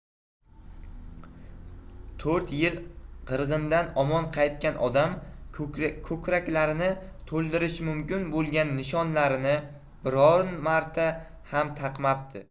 to'rt yil qirg'indan omon qaytgan odam ko'kraklarini to'ldirishi mumkin bo'lgan nishonlarini biron marta ham taqmabdi